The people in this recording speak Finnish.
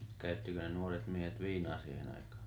käyttikö ne nuoret miehet viinaa siihen aikaan